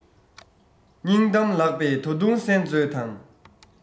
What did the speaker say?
སྙིང གཏམ ལགས པས ད དུང གསན མཛོད དང